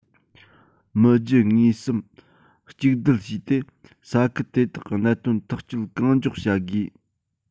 མི རྒྱུ དངོས གསུམ གཅིག སྡུད བྱས ཏེ ས ཁུལ དེ དག གི གནད དོན ཐག གཅོད གང མགྱོགས བྱ དགོས